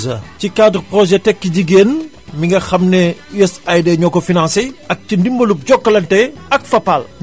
ci cadre projet tekki jigéen mi nga xam ne USAID ñoo ko financé ak ci ndimbalu Jokalante ak Fapal